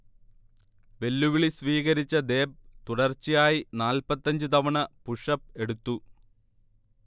വെല്ലുവിളി സ്വീകരിച്ച ദേബ് തുടർച്ചയായി നാൽപത്തഞ്ച് തവണ പുഷ്അപ് എടുത്തു